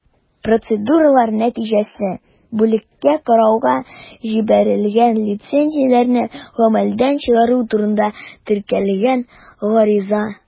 Процедуралар нәтиҗәсе: бүлеккә карауга җибәрелгән лицензияләрне гамәлдән чыгару турында теркәлгән гариза.